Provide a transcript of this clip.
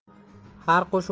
har qush o'z